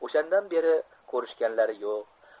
oshandan beri ko'rishganlari yo'q